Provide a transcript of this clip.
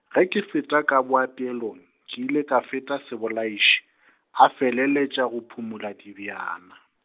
ga ke feta ka boapeelong, ke ile ka feta Sebolaiši, a feleletša go phumola dibjana.